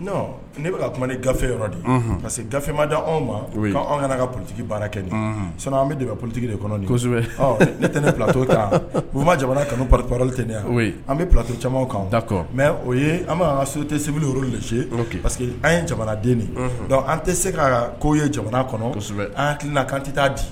Ne bɛka ka kuma ni gafe yɔrɔ de parce que gafema di anw ma anw kana ka politigi baara kɛ nin san an bɛ de bɛ politigi de kɔnɔsɛbɛ ne tɛ ne pto ta u ma jamana kanu papli tɛ an bɛ pto caman kan da mɛ o ye an sote tɛ segu de se pa que an ye jamana den de dɔnku an tɛ se ka ko ye jamana kɔnɔsɛbɛ an tila kan tɛ' di